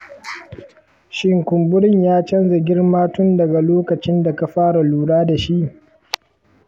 shin kumburin ya canza girma tun daga lokacin da ka fara lura da shi?